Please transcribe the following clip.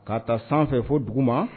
K'a ta sanfɛ fo duguma